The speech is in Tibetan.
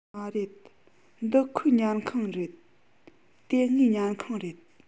མ རེད འདི ཁོའི ཉལ ཁང རེད དེ ངའི ཉལ ཁང རེད